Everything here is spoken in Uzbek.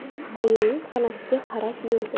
oyimning xonasiga qarab yurdi